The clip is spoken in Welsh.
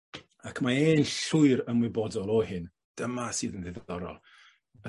Ac mae e'n llwyr ymwybodol o hyn, dyma sydd yn ddiddorol.